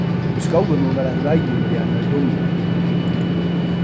í skóginum var eitt reiður við einari dunnu